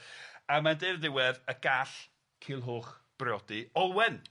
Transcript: a mae'n deud o'r ddiwedd y gall Culhwch briodi Olwen.